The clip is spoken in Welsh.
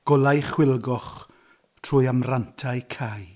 Golau chwilgoch trwy amrantau cau.